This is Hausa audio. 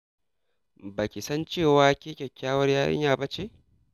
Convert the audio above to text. Ba ki san cewa ke kyakkyawar yarinya ba ce?